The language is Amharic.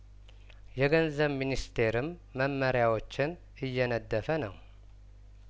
የገንዘብ ሚኒስቴርም መመሪያዎችን እየነደፈ ነው